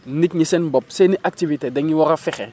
nit ñi seen bopp seen i activités dañu war a fexe